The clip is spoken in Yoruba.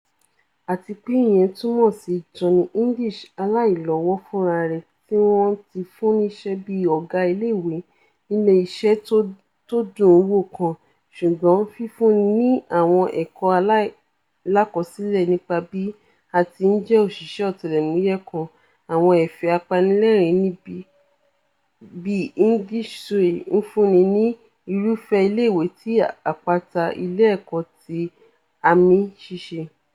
Àtipé ìyẹn túmọ̀ si Johnny English aláìlọ́wọ́ fúnrarẹ̀, tíwọn ti fún níṣẹ́ bíi ọ̀gá ilé ìwé nílé iṣẹ́ tódùn un wò kan, ṣùgbọ́n fífún ni àwọn ẹ̀kọ́ aílàlákọsílẹ̀ nipa bí a ti ńjẹ́ òṣìṣẹ́ ọ̀tẹlẹ̀múyẹ̀ kan: àwọn ẹ̀fẹ̀ apanilẹ́ẹ̀rín níbí, bí English sooe ńfúnni ni irúfẹ́-Ilé-ìwé-ti-Àpáta ilé ẹ̀kọ́ ti amí ṣíṣe.